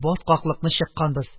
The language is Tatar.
Баткаклыкны чыкканбыз,